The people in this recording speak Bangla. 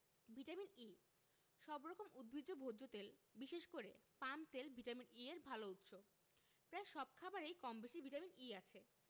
ভিটামিন E সব রকম উদ্ভিজ্জ ভোজ্য তেল বিশেষ করে পাম তেল ভিটামিন E এর ভালো উৎস প্রায় সব খাবারেই কমবেশি ভিটামিন E আছে